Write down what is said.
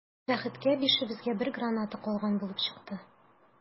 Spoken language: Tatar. Бәхеткә, бишебезгә бер граната калган булып чыкты.